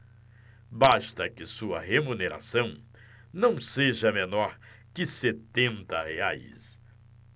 basta que sua remuneração não seja menor que setenta reais